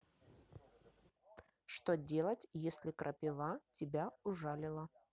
что делать если крапива тебя ужалила